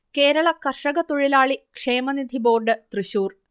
കേരള കർഷക തൊഴിലാളി ക്ഷേമനിധി ബോർഡ് തൃശ്ശൂർ